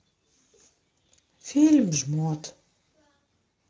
фильм жмот